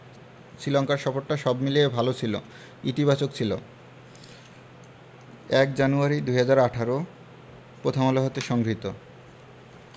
শ্রীলঙ্কা সফরটা সব মিলিয়ে ভালো ছিল ইতিবাচক ছিল ০১ জানুয়ারি ২০১৮ প্রথম আলো হতে সংগৃহীত